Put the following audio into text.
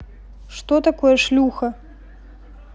что такое шлюха